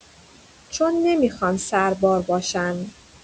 چون نمی‌خوان سربار باشن.